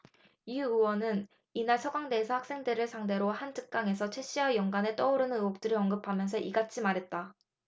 유 의원은 이날 서강대에서 학생들을 상대로 한 특강에서 최씨와 연관해 떠도는 의혹들을 언급하면서 이같이 말했다